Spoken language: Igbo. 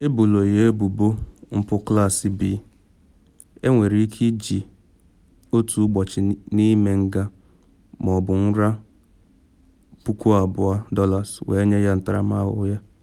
Eboola ya ebubo nke mpụ Klaasị B, enwere ike iji otu ụbọchị n’ime nga ma ọ bụ nra $2,000 wee nye ntaramahụhụ ya.